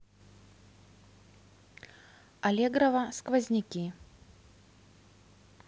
алегрова сквозняки